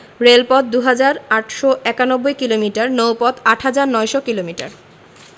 রেলপথ ২হাজার ৮৯১ কিলোমিটার নৌপথ ৮হাজার ৯০০ কিলোমিটার